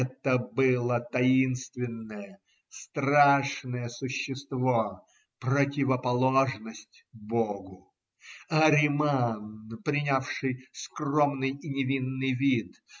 Это было таинственное, страшное существо, противоположность Богу, Ариман, принявший скромный и невинный вид.